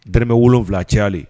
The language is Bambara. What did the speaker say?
Dmɛ wolo wolonwula cayali